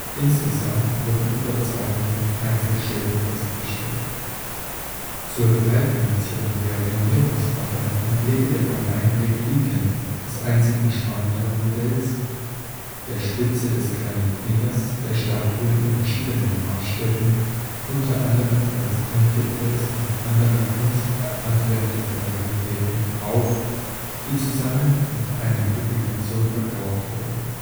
Insgesamt wurden über zweitausend Einzelschäden festgestellt. Zur Teilfinanzierung der Renovierungsarbeiten legte der Verein Repliken des einzigen Schwanthaler-Modells, der Spitze des kleinen Fingers der Statue in verschiedenen Maßstäben, unter anderem als Trinkgefäß, und anderer kunsthandwerklicher Raritäten auf, die zusammen mit einer Publikation verkauft wurden